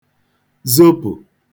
zopụ̀